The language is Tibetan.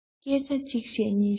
སྐད ཆ གཅིག བཤད གཉིས བཤད